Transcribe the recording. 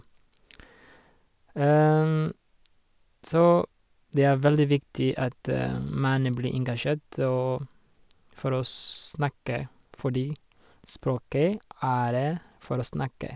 Så det er veldig viktig at man blir engasjert å for å snakke, fordi språket er for å snakke.